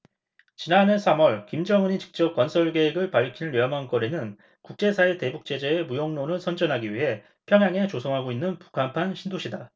지난해 삼 월 김정은이 직접 건설 계획을 밝힌 려명거리는 국제사회 대북 제재의 무용론을 선전하기 위해 평양에 조성하고 있는 북한판 신도시다